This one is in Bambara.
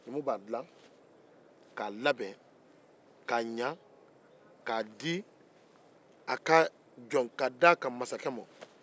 numu b'a labɛn ka ɲɛ k'a di a ka masakɛ ma